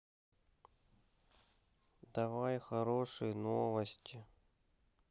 давай хорошие новости